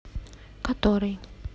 который